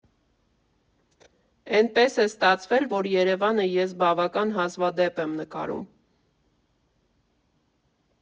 Էնպես է ստացվել, որ Երևանը ես բավական հազվադեպ եմ նկարում։